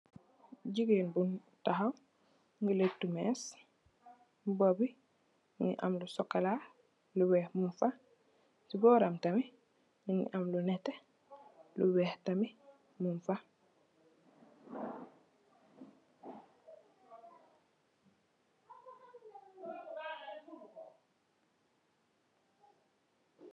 Jigéen bu tahaw mungi lettu mèss, mbuba bi mungi am lu sokola, lu weeh mung fa. Ci boram tamit mungi am lu nètè, lu weeh tamit mung fa.